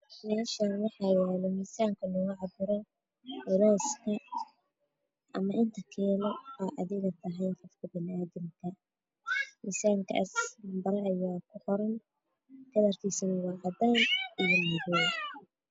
Meeshaan waxaa yaalo miisaan miisaanka lagu cabiro dadka waxaa ku qoran magaceyga waxaana uu kala kiis waa madoobe caddaan